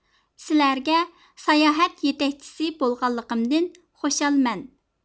سىلەرگە ساياھەت يېتەكچىسى بولغانلىقىمدىن خۇشالمەن